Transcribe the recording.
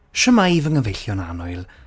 Shwmae i fy nghyfeillion annwyl.